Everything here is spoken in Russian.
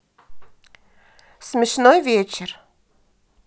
смешной вечер